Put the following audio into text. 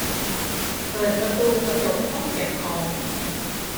เปิดประตูกระจกห้องเก็บของ